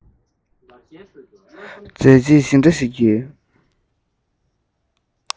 མཛད རྗེས ཇི འདྲ ཞིག གིས ཀྱང